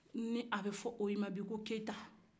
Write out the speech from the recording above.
ni a bɛ fɔ oyi ma bi ko keyita